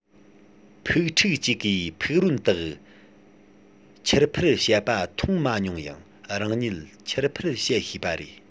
ཕུག ཕྲུག ཅིག གིས ཕུག རོན དག འཁྱིར འཕུར བྱེད པ མཐོང མ མྱོང ཡང རང ཉིད འཁྱིར འཕུར བྱེད ཤེས པ རེད